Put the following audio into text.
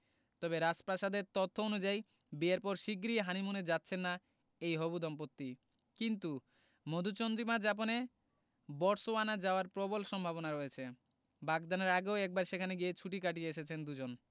তবে রাজপ্রাসাদের তথ্য অনুযায়ী বিয়ের পর শিগগিরই হানিমুনে যাচ্ছেন না এই হবু দম্পতি কিন্তু মধুচন্দ্রিমা যাপনে বটসওয়ানা যাওয়ার প্রবল সম্ভাবনা রয়েছে বাগদানের আগেও একবার সেখানে গিয়ে ছুটি কাটিয়ে এসেছেন দুজন